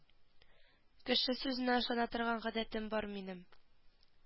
Кеше сүзенә ышана торган гадәтем бар минем